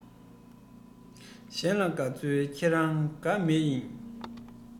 གང བྱས ལག པའི མཐིལ དུ གསལ ཡོང ངོ